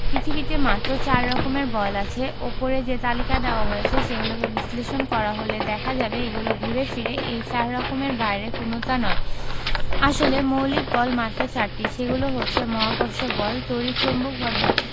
পৃথিবীতে মাত্র চার রকমের বল রয়েছে ওপরে যে তালিকা দেওয়া হয়েছে সেগুলোকে বিশ্লেষণ করা হলে দেখা যাবে এগুলো ঘুরে ফিরে এই চার রকমের বাইরে কোনোটা নয় আসলে মৌলিক বল মাত্র চারটি সেগুলো হচ্ছে মহাকর্ষ বল তড়িৎ চৌম্বক বা বিদ্যুৎ